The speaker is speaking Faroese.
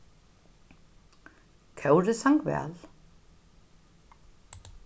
kórið sang væl